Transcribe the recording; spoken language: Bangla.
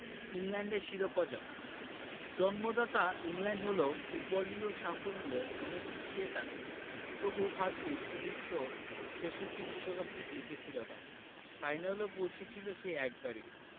ইংল্যান্ডের শিরোপা জয় জন্মদাতা ইংল্যান্ড হলেও ফুটবলীয় সাফল্যে অনেক পিছিয়ে তারা তবু ভাগ্যিস ১৯৬৬ বিশ্বকাপটা জিতেছিল তারা ফাইনালেও পৌঁছেছিল সেই একবারই